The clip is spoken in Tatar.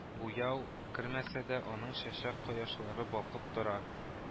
Буяу кермәсә дә, аның чәчәк-кояшлары балкып тора